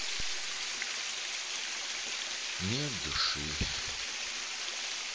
нет души